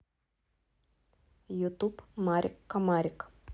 ютуб марик комарик